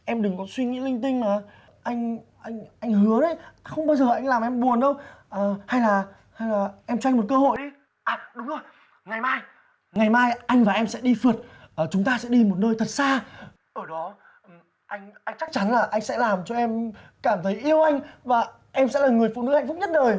em đừng có suy nghĩ linh tinh mà anh anh anh hứa đấy không bao giờ anh làm em buồn đâu à hay là hay là em cho anh một cơ hội đi à đúng rồi ngày mai ngày mai anh và em sẽ đi phượt ờ chúng ta sẽ đi một nơi thật xa ở đó anh anh chắc chắn là anh sẽ làm cho em cảm thấy yêu anh và em sẽ là người phụ nữ hạnh phúc nhất đời